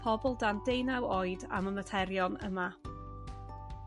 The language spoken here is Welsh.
pobol dan deunaw oed am y materion yma.